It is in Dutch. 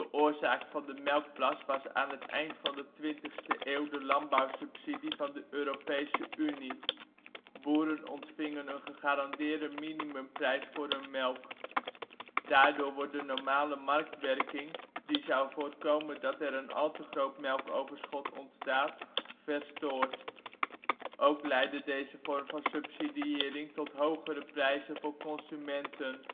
oorzaak van de melkplas was aan het eind van de twintigste eeuw de landbouwsubsidie van de Europese Unie. Boeren ontvingen een gegarandeerde minimumprijs voor hun melk. Daardoor wordt de normale marktwerking, die zou voorkomen dat er een al te groot melkoverschot ontstaat, verstoord. Ook leidde deze vorm van subsidiëring tot hogere prijzen voor consumenten